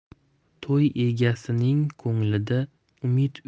to'y egasining ko'nglida umid